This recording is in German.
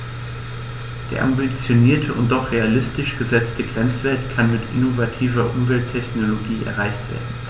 Der ambitionierte und doch realistisch gesetzte Grenzwert kann mit innovativer Umwelttechnologie erreicht werden.